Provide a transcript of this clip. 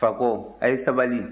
fakɔ a' ye sabali